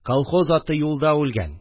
Колхоз аты юлда үлгән